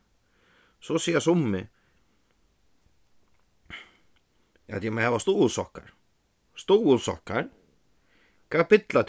so siga summi at eg má hava stuðulssokkar stuðulssokkar hvat billar